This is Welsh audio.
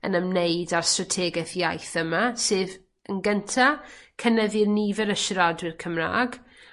yn ymwneud â'r strategeth iaith yma, sef yn gynta cynyddu y nifer o siaradwyr Cymra'g